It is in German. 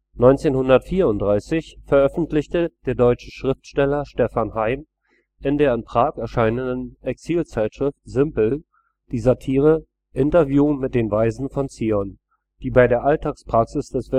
1934 veröffentlichte der deutsche Schriftsteller Stefan Heym in der in Prag erscheinenden Exilzeitschrift Simpl die Satire „ Interview mit den Weisen von Zion “, die bei der Alltagspraxis des